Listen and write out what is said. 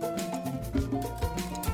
San